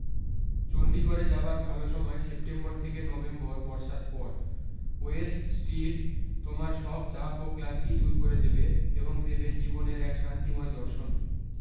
চণডীগড়ে যাবার ভাল সময় সেপ্টেম্বর থেকে নভেম্বর বর্ষার পর ওয়েস্ট স্ট্রীট তোমার সব চাপ ও ক্লান্তি দূর করে দেবে এবং দেবে জীবনের এক শান্তিময় দর্শন